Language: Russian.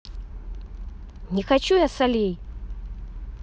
не хочу я солей